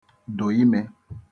dụ̀ imē